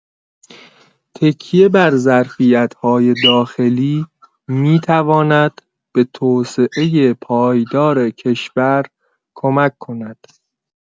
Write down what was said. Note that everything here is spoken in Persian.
تکیه بر ظرفیت‌های داخلی می‌تواند به توسعه پایدار کشور کمک کند.